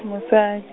mosa-.